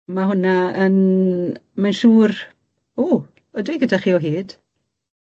Ma' hwnna yn mae'n siŵr. W! Ydw i gyda chi o hyd?